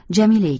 jamila ekan